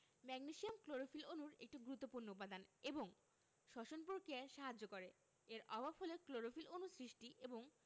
magnesium magnesium chlorophyll অণুর একটি গুরুত্বপুর্ণ উপাদান এবং শ্বসন প্রক্রিয়ায় সাহায্য করে এর অভাব হলে ক্লোরোফিল অণু সৃষ্টি এবং